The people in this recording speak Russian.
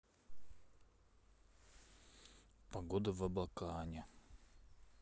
погода в абакане